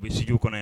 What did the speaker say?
U stuw kɔnɔ